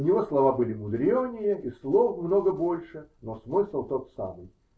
у него слова были мудренее и слов много больше, но смысл тот самый.